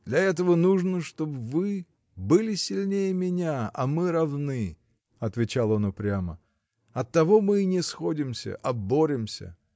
— Для этого нужно, чтоб вы были сильнее меня, а мы равны, — отвечал он упрямо, — оттого мы и не сходимся, а боремся.